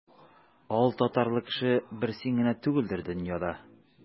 Алтатарлы кеше бер син генә түгелдер дөньяда.